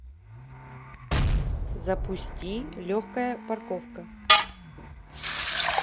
запусти легкая парковка